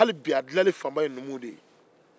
halibi a dilali fanba ye numuw de ye